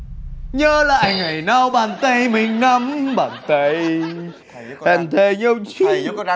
nhớ lại ngày nao bàn tay mình nắm bàn tay hẹn thề nhau chi rồi